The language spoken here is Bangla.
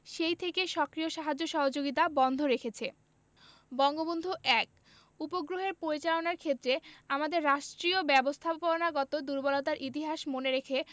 সেই থেকে সক্রিয় সাহায্য সহযোগিতা বন্ধ রেখেছে বঙ্গবন্ধু ১ উপগ্রহের পরিচালনার ক্ষেত্রে আমাদের রাষ্ট্রীয় ব্যবস্থাপনাগত দূর্বলতার ইতিহাস মনে রেখে